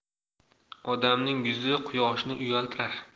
odamning yuzi quyoshni uyaltirar